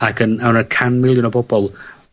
ag yn a o' 'na can miliwn o bobol